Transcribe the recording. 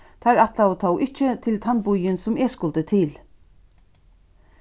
teir ætlaðu tó ikki til tann býin sum eg skuldi eg til